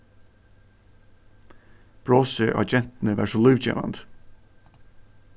brosið á gentuni var so lívgevandi